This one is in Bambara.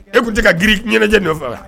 E kun te ka girin ɲɛnajɛ nɔfɛ wa